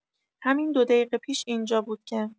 همین دو دیقه پیش اینجا بود که